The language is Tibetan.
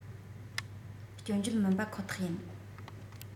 སྐྱོན བརྗོད མིན པ ཁོ ཐག ཡིན